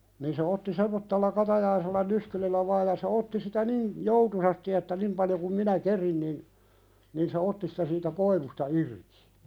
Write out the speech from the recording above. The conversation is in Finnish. niin se otti semmoisella katajaisella nyskyrillä vain ja se otti sitä niin joutuisasti että niin paljon kuin minä kerin niin niin se otti sitä siitä koivusta irti